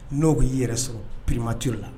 N'o kun y'i yɛrɛ sɔrɔ primature la!